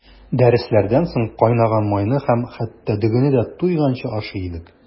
Дәресләрдән соң кайнаган майны һәм хәтта дөгене дә туйганчы ашый идек.